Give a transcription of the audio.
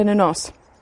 yn y nos.